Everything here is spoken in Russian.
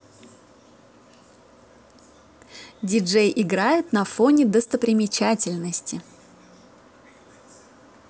dj играет на фоне достопримечательности